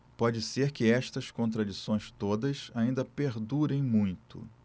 pode ser que estas contradições todas ainda perdurem muito